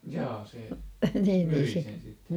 jaa se myi sen sitten